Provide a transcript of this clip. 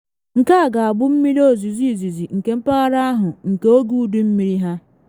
Nke a ga-abụ mmiri ozizi izizi nke mpaghara ahụ nke oge udu mmiri ha.